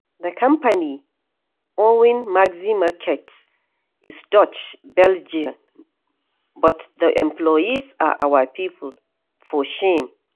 The company [owning Maxi markets] is Dutch-Belgian but the employees are our people! For shame!